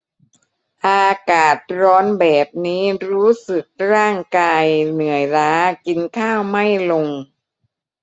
อากาศร้อนแบบนี้รู้สึกร่างกายเหนื่อยล้ากินข้าวไม่ลง